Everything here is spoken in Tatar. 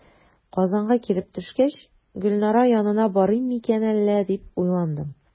Казанга килеп төшкәч, "Гөлнара янына барыйм микән әллә?", дип уйландым.